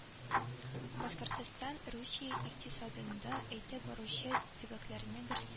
Башкортстан русия икътисадында әйдәп баручы төбәкләрнең берсе